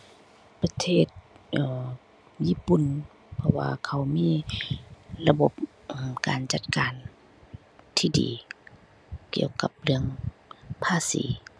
ประเทศ อ่อ ญี่ปุ่น เพราะว่าเขามีระบบ อ่า การจัดการที่ดีเกี่ยวกับเรื่องภาษี